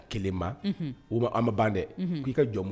Ka jɔn